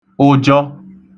ụjọ